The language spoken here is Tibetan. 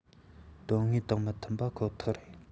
དོན དངོས དང མི མཐུན པ ཁོ ཐག རེད